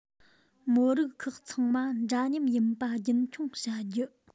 མི རིགས ཁག ཚང མ འདྲ མཉམ ཡིན པ རྒྱུན འཁྱོངས བྱ རྒྱུ